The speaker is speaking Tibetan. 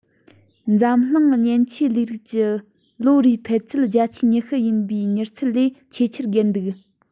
འཛམ གླིང མཉེན ཆས ལས རིགས ཀྱི ལོ རེའི འཕར ཚད བརྒྱ ཆའི ཉི ཤུ ཡིན པའི མྱུར ཚད ལས ཆེས ཆེར བརྒལ འདུག